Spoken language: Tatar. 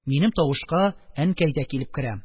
Минем тавышка әнкәй дә килеп керә.